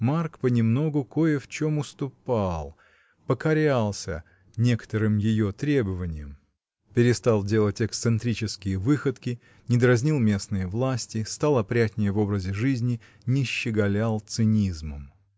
Марк понемногу, кое в чем, уступал, покорялся некоторым ее требованиям: перестал делать эксцентрические выходки, не дразнил местные власти, стал опрятнее в образе жизни, не щеголял цинизмом.